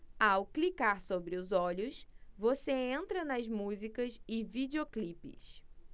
ao clicar sobre os olhos você entra nas músicas e videoclipes